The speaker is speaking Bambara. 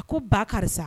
A ko ba karisa